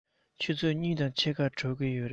ཆུ ཚོད བཅུ གཉིས དང ཕྱེད ཀར གྲོལ གྱི རེད